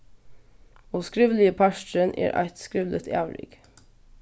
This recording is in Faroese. og skrivligi parturin er eitt skrivligt avrik